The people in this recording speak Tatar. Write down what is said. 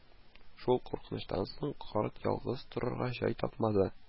Шул куркынычтан соң карт ялгыз торырга җай тапмады